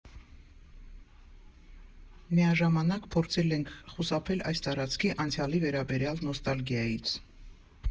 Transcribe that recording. Միաժամանակ փորձել ենք խուսափել այս տարածքի անցյալի վերաբերյալ նոստալգիայից։